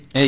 eyyi